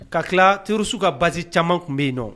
Ka tila terroristes ka base caman tun bɛ yen nɔ